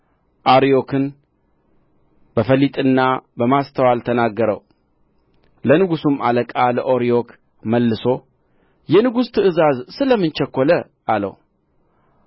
አርዮክን በፈሊጥና በማስተዋል ተናገረው ለንጉሡም አለቃ ለአርዮክ መልሶ የንጉሡ ትእዛዝ ስለ ምን ቸኰለ አለው